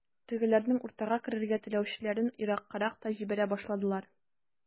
Тегеләрнең уртага керергә теләүчеләрен ераккарак та җибәрә башладылар.